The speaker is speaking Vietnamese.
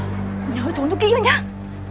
nhớ chốn cho kỹ vào nhá